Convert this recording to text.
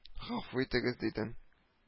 — гафу итегез, — дидем